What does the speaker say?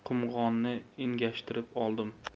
qumg'onni engashtirib oldim